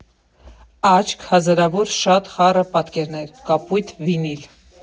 Աչք, հազարավոր շատ խառը պատկերներ, կապույտ վինիլ.